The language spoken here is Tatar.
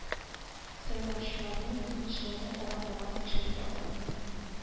Сайлаучыларның үтенечләре арытаба тикшерүгә алынды